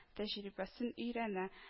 Тәҗрибәсен өйрәнә